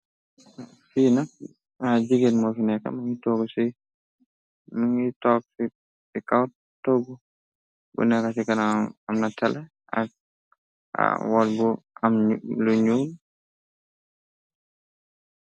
Fi nak ay jigéen moo fi nekka mugi tork ci si kaw togg bu nexa ci ganawam amm na teleh ak wal bu am lu nyul.